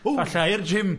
Falle ai'r gym!